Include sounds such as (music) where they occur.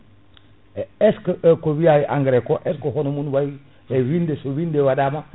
(smacks lips) e est ce ce que ko wiya e engrais ko est ce ce que ko hono mum way e winde so winde waɗama